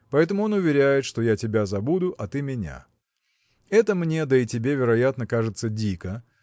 Поэтому он уверяет, что я тебя забуду, а ты меня. Это мне да и тебе вероятно кажется дико